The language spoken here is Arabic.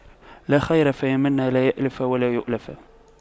لا خير فيمن لا يَأْلَفُ ولا يؤلف